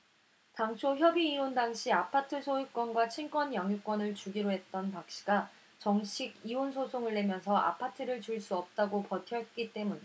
당초 협의이혼 당시 아파트 소유권과 친권 양육권을 주기로 했던 박씨가 정식 이혼 소송을 내면서 아파트를 줄 수 없다고 버텼기 때문